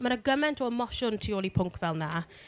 Ma' 'na gymaint o emosiwn tu ôl i pwnc fel ’na.